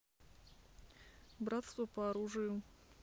братство по оружию